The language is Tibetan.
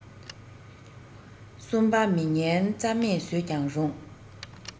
གསུམ པ མི ངན རྩ མེད བཟོས ཀྱང རུང